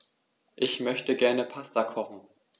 Ich möchte gerne Pasta kochen.